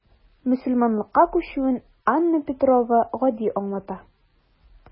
Мөселманлыкка күчүен Анна Петрова гади аңлата.